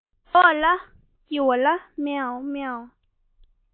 དགའ བ ལ ནི སྐྱིད པ ལ མཱེ མཱེ